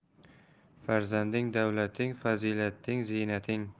farzanding davlating fazilating ziynating